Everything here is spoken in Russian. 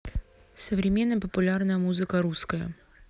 современная популярная музыка русская